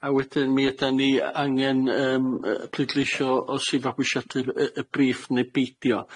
A wedyn mi ydan ni yy angen yym yy pleidleisio os 'i fabwysiadu'r yy y briff neu beidio.